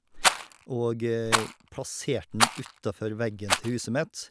Og plasserte den utafor veggen til huset mitt.